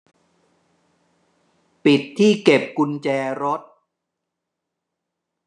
ปิดที่เก็บกุญแจรถ